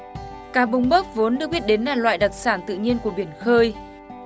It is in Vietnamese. cá bống bớp vốn được biết đến là loại đặc sản tự nhiên của biển khơi